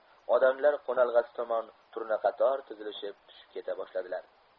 odamlar qo'nalg'asi tomon tumaqator tizilishib tushib keta boshladilar